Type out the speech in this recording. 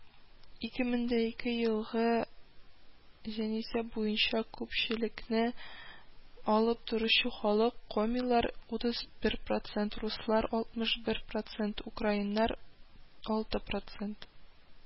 2002 елгы җанисәп буенча күпчелекне алып торучы халык: комилар 31% руслар 61%, украиннар 6%